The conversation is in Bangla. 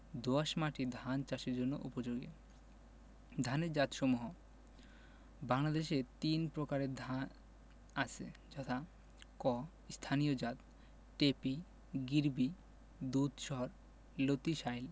দোআঁশ মাটি ধান চাষের জন্য উপযোগী ধানের জাতসমূহ বাংলাদেশে তিন প্রকারের ধান আছে যথাঃ ক স্থানীয় জাতঃ টেপি গিরবি দুধসর লতিশাইল